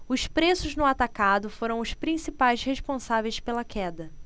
os preços no atacado foram os principais responsáveis pela queda